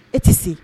E tɛ se